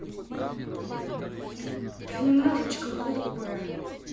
ты немножечко глупая